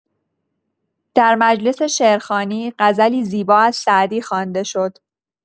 در مجلس شعرخوانی، غزلی زیبا از سعدی خوانده شد.